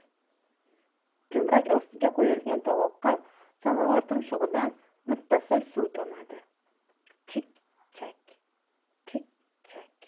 jo'mrak ostiga qo'yilgan tovoqqa samovar tumshug'idan muttasil suv tomadi chik chak chik chak